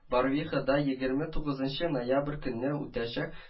"барвихада егерме тугызынчы ноябрь көнне үтәчәк